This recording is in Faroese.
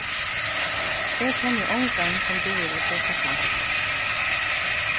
eg kenni ongan sum dugir at tosa franskt